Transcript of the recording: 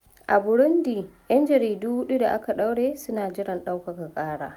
A Burundi, 'yan jaridu huɗu da aka ɗaure suna jiran ɗaukaka ƙara